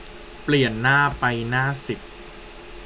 เปลี่ยนหน้าไปหน้าสิบ